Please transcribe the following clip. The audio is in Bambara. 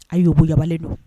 A y'o boɲabalen don